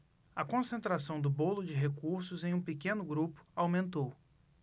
a concentração do bolo de recursos em um pequeno grupo aumentou